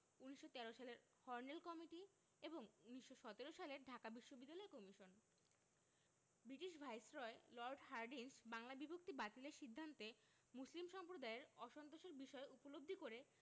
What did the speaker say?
১৯১৩ সালের Hornell committee এবং ১৯১৭ সালের কলকাতা বিশ্ববিদ্যালয় commission British viceroy Lord Hardinge Bangla বিভক্তি বাতিলের সিদ্ধান্তে মুসলিম সম্প্রদায়ের অসন্তোষের বিষয় উপলব্ধি করে